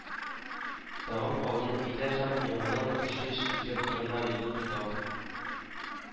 Тагын кабынып китә һәм яңадан училище директорына юл тота